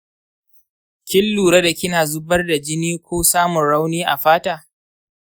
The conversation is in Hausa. kin lura da kina zubar da jini ko samun rauni a fata?